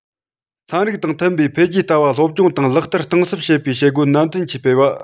ཚན རིག དང མཐུན པའི འཕེལ རྒྱས ལྟ བ སློབ སྦྱོང དང ལག བསྟར གཏིང ཟབ བྱེད པའི བྱེད སྒོ ནན ཏན གྱིས སྤེལ བ